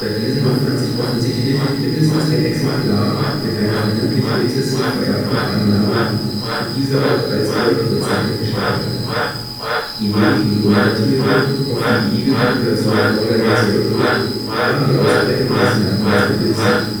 diesen befand sich offensichtlich mindestens ein Exemplar mit einer vermutlich rezessiv vererbten Veranlagung für diese auch als „ blond “bezeichneten Stacheln. Die wenigen Gründertiere, auf die die Igelpopulation auf Alderney zurückgeht, haben die Ausbreitung dieses Merkmals begünstigt